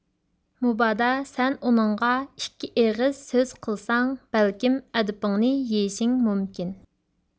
مۇبادا سەن ئۇنىڭغا ئىككى ئېغىز سۆز قىلساڭ بەلكىم ئەدىپىڭنى يېيىشىڭ مۇمكىن